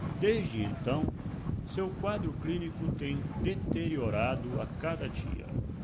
desde então seu quadro clínico tem deteriorado a cada dia